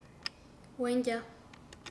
འོན ཀྱང